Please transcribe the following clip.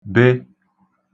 be